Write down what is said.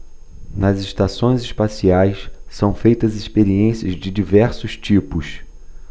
nas estações espaciais são feitas experiências de diversos tipos